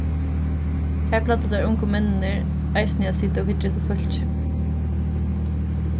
har plagdu teir ungu menninir eisini at sita og hyggja eftir fólki